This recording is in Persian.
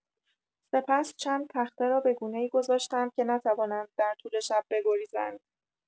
سپس چند تخته را به گونه‌ای گذاشت که نتوانند در طول شب بگریزند.